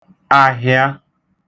ahịa